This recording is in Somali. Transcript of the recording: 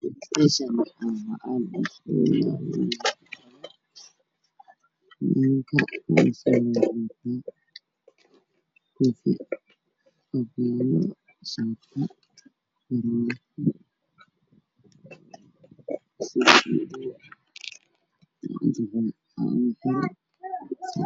Waa xaflad isugu imaaday niman iyo naago ninka u soo horreeyo wuxuu wataa shaati gaan suud madow waxay ku fadhiyaan kuraas cadaan miisaas cadaan biya caaf ee horyaal